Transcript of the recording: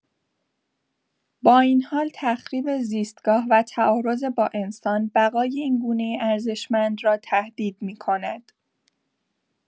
با این حال، تخریب زیستگاه و تعارض با انسان، بقای این گونه ارزشمند را تهدید می‌کند.